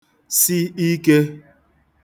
si ikē